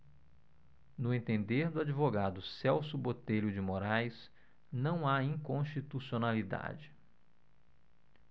no entender do advogado celso botelho de moraes não há inconstitucionalidade